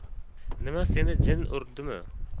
nima seni jin urdimi